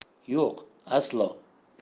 yo'q aslo